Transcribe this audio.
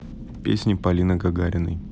песни полины гагариной